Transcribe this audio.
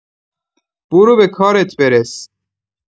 برو به کارت برس.